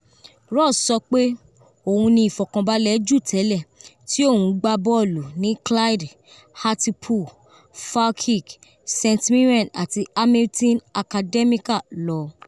Ross sọ pé òun ní ìfọ̀kànbalẹ̀ ju tẹlẹ̀ tí òun ń gbá bọ́ọ̀lù ní Clyde, Hartlepool, Falkirk, St Mirren àti Hamilton Academical lọ.